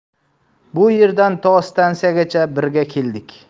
bu yerdan to stansiyagacha birga keldik